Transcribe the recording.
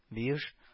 Биюш һ